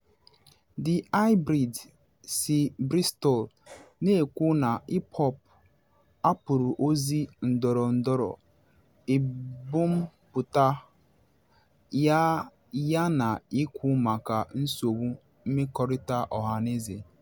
The High Breed, si Bristol, na ekwu na hip hop hapụrụ ozi ndọrọndọrọ ebumpụta ya yana ikwu maka nsogbu mmekọrịta ọhaneze.